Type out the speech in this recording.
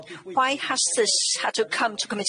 Why has this had to come to come to committee?